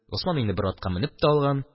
Госман инде бер атка менеп тә алган